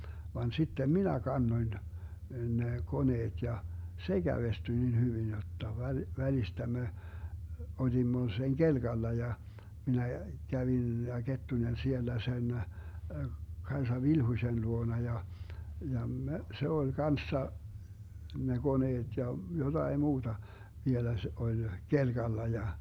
vaan sitten minä kannoin ne koneet ja se kävestyi niin hyvin jotta - välistä me olimme sen kelkalla ja minä kävin ja Kettunen siellä sen Kaisa Vilhuisen luona ja ja me se oli kanssa ne koneet ja jotakin muuta vielä se oli kelkalla ja